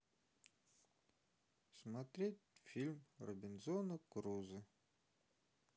смотреть фильм робинзон крузо